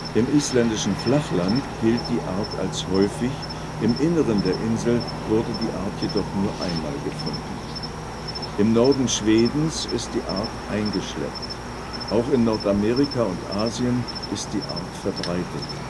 Im isländischen Flachland gilt die Art als häufig, im Inneren der Insel wurde die Art jedoch nur einmal gefunden. Im Norden Schwedens ist die Art eingeschleppt. Auch in Nordamerika und Asien ist die Art verbreitet